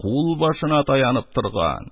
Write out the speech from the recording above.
Кулбашына таянып торган.